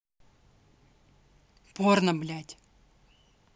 порно блядь